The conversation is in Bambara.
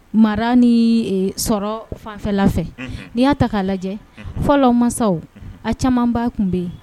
Mara ni sɔrɔ fanfɛ fɛ n'i y'a ta'a lajɛ fɔlɔ masaw a camanba tun bɛ yen